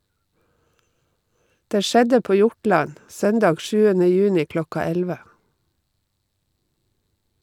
Det skjedde på Hjortland , søndag 7. juni kl. 11.